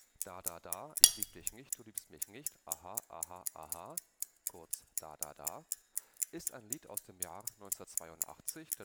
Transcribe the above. Da Da Da ich lieb dich nicht du liebst mich nicht aha aha aha (kurz Da Da Da) von Trio aus dem Jahr 1982